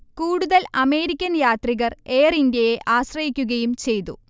കൂടുതൽ അമേരിക്കൻ യാത്രികർ എയർഇന്ത്യയെ ആശ്രയിക്കുകയും ചെയ്തു